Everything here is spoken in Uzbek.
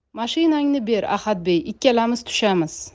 mashinangni ber ahadbey ikkalamiz tushamiz